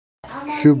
shu boisdan uchinchi